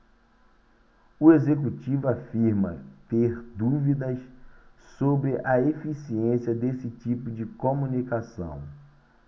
o executivo afirma ter dúvidas sobre a eficiência desse tipo de comunicação